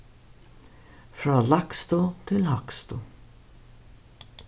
frá lægstu til hægstu